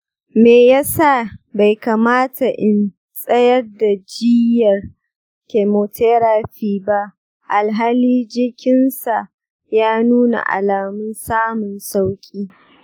me yasa bai kamata in tsayar da jiyyar chemotherapy ba alhali jikinsa ya nuna alamun samun sauƙi?